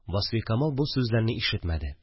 Васфикамал бу сүзләрне ишетмәде